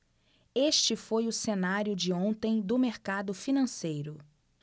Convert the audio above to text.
este foi o cenário de ontem do mercado financeiro